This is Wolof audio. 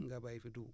nga bay fi dugub